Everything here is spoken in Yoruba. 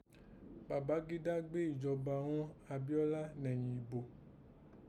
Bàbáńgídá gbéè ìjọba ghún Abíọ́lá nẹ̀yìn ìbò